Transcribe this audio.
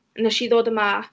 Wnes i ddod yma.